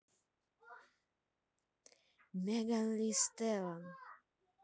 megan lee стеллан